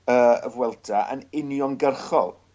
yy y Vuelta yn uniongyrchol.